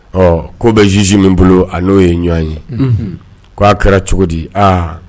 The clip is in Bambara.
Ɔ ko bɛ zizsi min bolo a n'o ye ɲɔgɔn ye k ko aa kɛra cogo di aa